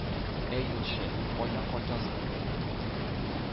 — әй, юлчы, кайдан кайтасың?